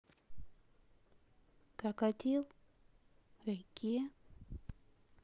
крокодил в реке